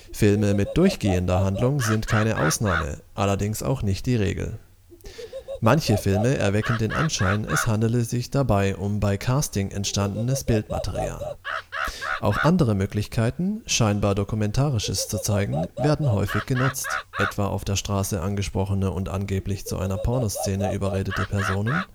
Filme mit durchgehender Handlung sind keine Ausnahme, allerdings auch nicht die Regel. Manche Filme erwecken den Anschein, es handele sich dabei um bei Castings entstandenes Bildmaterial. Auch andere Möglichkeiten, scheinbar Dokumentarisches zu zeigen, werden häufig genutzt (etwa auf der Straße angesprochene und angeblich zu einer Pornoszene überredete Personen